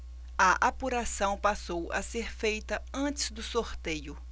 a apuração passou a ser feita antes do sorteio